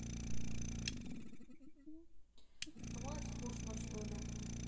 твой скучно что ли